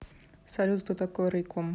салют кто такой рейком